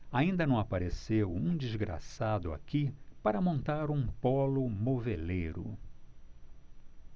ainda não apareceu um desgraçado aqui para montar um pólo moveleiro